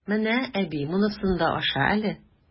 Менә, әби, монсын да аша әле!